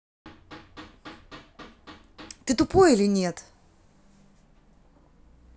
ты тупой или нет